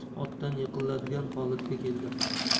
yiqiladigan holatga keldim